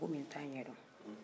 n b'a kɛ i komi n t'a ɲɛdon